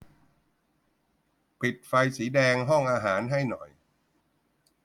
ปิดไฟสีแดงห้องอาหารให้หน่อย